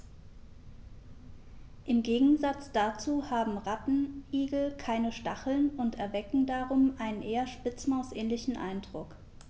Im Gegensatz dazu haben Rattenigel keine Stacheln und erwecken darum einen eher Spitzmaus-ähnlichen Eindruck.